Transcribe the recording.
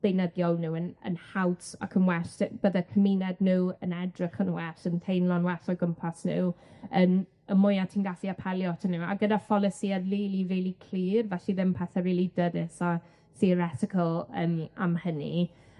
beunyddiol nw yn yn haws ac yn well. D- bydde cymuned nw yn edrych yn well, yn teimlo'n well o'i gwmpas nw yn y mwya ti'n gallu apelio atyn nw A gyda pholisie rili, rili clir, felly ddim pethe rili ddyrys a theoretical yym am hynny.